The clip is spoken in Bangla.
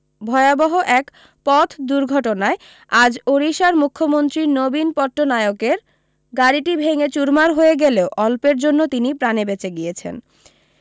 ভয়াবহ এক পথ দুর্ঘটনায় আজ ওড়িশার মুখ্যমন্ত্রী নবীন পট্টনায়কের গাড়িটি ভেঙে চুরমার হয়ে গেলেও অল্পের জন্য তিনি প্রাণে বেঁচে গিয়েছেন